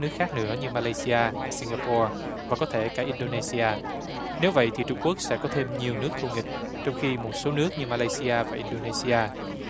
nước khác nữa như ma lay xi a xin ga po và có thể cả in đô nây xi a nếu vậy thì trung quốc sẽ có thêm nhiều nước thù nghịch trong khi một số nước như ma lay xi a và in đồ nây xi a